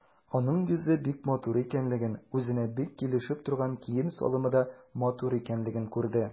Аның йөзе бик матур икәнлеген, үзенә бик килешеп торган кием-салымы да матур икәнлеген күрде.